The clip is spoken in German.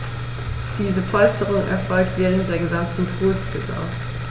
Diese Polsterung erfolgt während der gesamten Brutsaison.